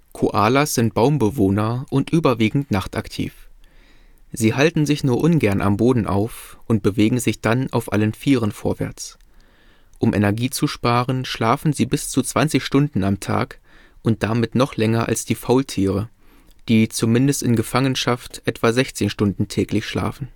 Koalas sind Baumbewohner und überwiegend nachtaktiv. Sie halten sich nur ungern am Boden auf und bewegen sich dann auf allen vieren vorwärts. Um Energie zu sparen, schlafen sie bis zu 20 Stunden am Tag und damit noch länger als die Faultiere, die (zumindest in Gefangenschaft) etwa 16 Stunden täglich schlafen